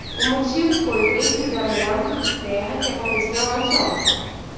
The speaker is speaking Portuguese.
o motivo foi o deslizamento de terra que aconteceu anteontem